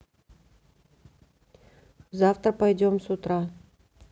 завтра пойдем с утра